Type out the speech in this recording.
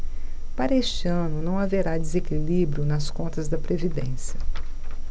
para este ano não haverá desequilíbrio nas contas da previdência